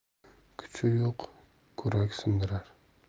kuchi yo'q kurak sindirar